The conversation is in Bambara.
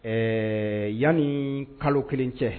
Ɛɛ yan ni kalo kelen cɛ